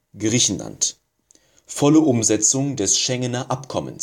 Griechenland: Volle Umsetzung des Schengener Abkommen